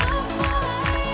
góc